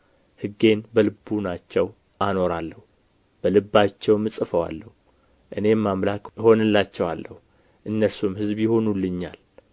ሕጌን በልቡናቸው አኖራለሁ በልባቸውም እጽፈዋለሁ እኔም አምላክ እሆንላቸዋለሁ እነርሱም ሕዝብ ይሆኑልኛል